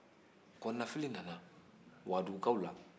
kɔnɔnafili nana wagaduukaw la